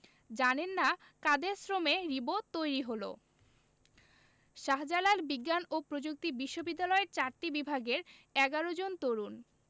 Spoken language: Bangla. জানেন না কাদের শ্রমে রিবো তৈরি হলো শাহজালাল বিজ্ঞান ও প্রযুক্তি বিশ্ববিদ্যালয়ের চারটি বিভাগের ১১ জন তরুণ